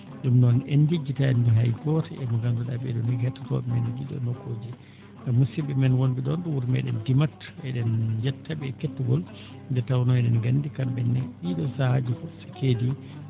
Ɗum noon en njejjitaani hay gooto e ko ngannduɗaa ɓee ɗoo nii hettotoo?ɓee men ɗiiɗoo nokkuuji e musidɓe men wonɓe ɗo ɗo wuro meeɗen Dimat eɗen njetta ɓe kettogol nde tawnoo eɗen nganndi kamɓe ne ɗiiɗoo sahaaji fof so keedi